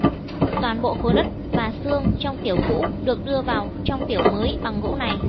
toàn bộ khối đất và xương trong tiểu cũ được đưa vào trong tiểu mới bằng gỗ này